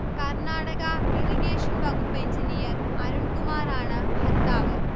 Karnataka irrigation വകുപ്പ് engineer അരുൺകുമാറാണ് ഭർത്താവ്